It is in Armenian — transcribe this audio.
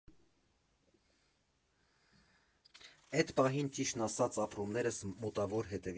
Էդ պահին, ճիշտն ասած, ապրումներս մոտավոր հետևյալն էին.